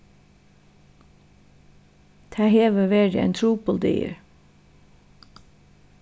tað hevur verið ein trupul dagur